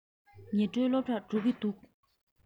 ཉི སྒྲོན སློབ གྲྭར འགྲོ གི འདུག